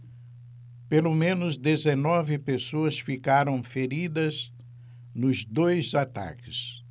pelo menos dezenove pessoas ficaram feridas nos dois ataques